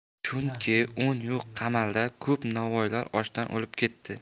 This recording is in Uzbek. chunki un yo'q qamalda ko'p novvoylar ochdan o'lib ketdi